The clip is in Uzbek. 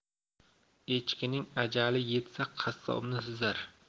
echkining ajah yetsa qassobni suzar